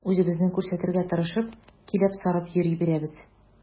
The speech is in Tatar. Үзебезне күрсәтергә тырышып, киләп-сарып йөри бирәбез.